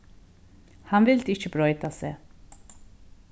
hann vildi ikki broyta seg